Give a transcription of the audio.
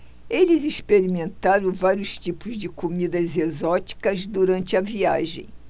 eles experimentaram vários tipos de comidas exóticas durante a viagem